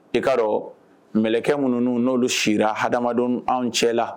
I ka' dɔn mɛlɛkɛ minnu n'olu si la adamadenw anw cɛ la